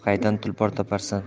qaydan tulpor toparsan